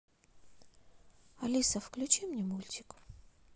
алиса включи мне мультик